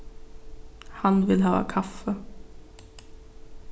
hann vil hava kaffi